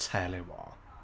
Tell you what.